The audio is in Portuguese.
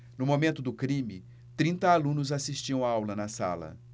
no momento do crime trinta alunos assistiam aula na sala